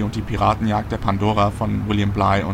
die Piratenjagd der Pandora von William Bligh